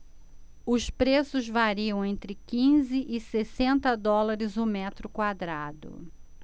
os preços variam entre quinze e sessenta dólares o metro quadrado